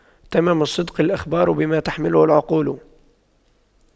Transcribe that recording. تمام الصدق الإخبار بما تحمله العقول